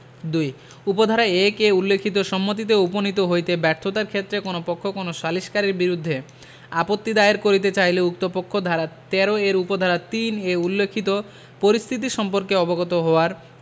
২ উপ ধারা ১ এ উল্লেখিত সম্মতিতে উপনীত হইতে ব্যর্থতার ক্ষেত্রে কোন পক্ষ কোন সালিসকারীর বিরুদ্ধে আপত্তি দায়ের করিতে চাহিলে উক্ত পক্ষ ধারা ১৩ এর উপ ধারা ৩ এ উল্লেখিত পরিস্থিতি সম্পর্কে অবগত হওয়ার